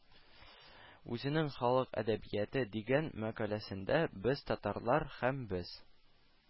Үзенең «халык әдәбияты» дигән мәкаләсендә «без татарлар һәм без